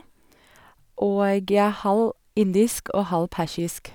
Og jeg er halv indisk og halv persisk.